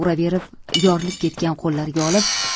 uraverib yorilib ketgan qo'llariga olib